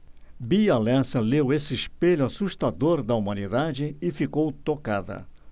bia lessa leu esse espelho assustador da humanidade e ficou tocada